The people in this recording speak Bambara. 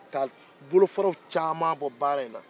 ka bolofaraw caman bɔ baara in na